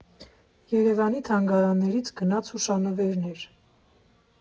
Երևանի թանգարաններից գնված հուշանվերներ.